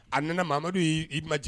A nana mamadu y'i ma jigin